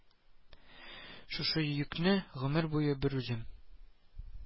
Шушы йөк не гомер буе берүзем